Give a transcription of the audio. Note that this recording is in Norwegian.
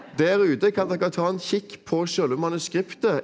der ute kan dere ta en kikk på selve manuskriptet.